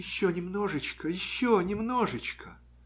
- Еще немножечко, еще немножечко!.